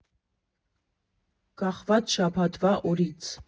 Կախված շաբաթվա օրից։